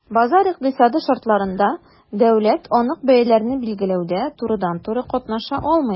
Базар икътисады шартларында дәүләт анык бәяләрне билгеләүдә турыдан-туры катнаша алмый.